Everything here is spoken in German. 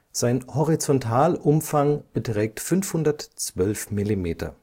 Sein Horizontalumfang beträgt 512 mm